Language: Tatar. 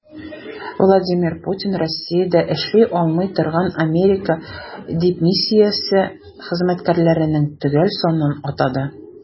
Владимир Путин Россиядә эшли алмый торган Америка дипмиссиясе хезмәткәрләренең төгәл санын атады.